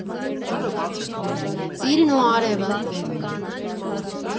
Ծիլն ու արևը։